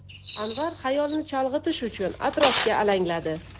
anvar xayolini chalg'itish uchun atrofga alangladi